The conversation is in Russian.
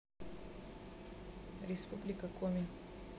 республика коми